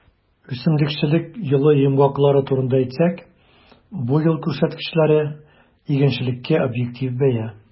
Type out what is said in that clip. Үсемлекчелек елы йомгаклары турында әйтсәк, бу ел күрсәткечләре - игенчелеккә объектив бәя.